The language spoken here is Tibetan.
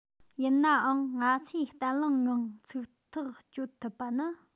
ཡིན ནའང ང ཚོས བརྟན བརླིང ངང ཚིག ཐག གཅོད ཐུབ པ ནི